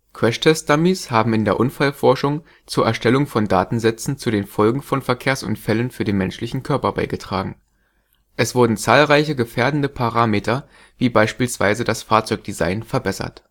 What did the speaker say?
Crashtest-Dummies haben in der Unfallforschung zur Erstellung von Datensätzen zu den Folgen von Verkehrsunfällen für den menschlichen Körper beigetragen. Es wurden zahlreiche gefährdende Parameter, wie beispielsweise das Fahrzeugdesign, verbessert